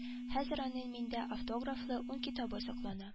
Хәзер аның миндә автографлы ун китабы саклана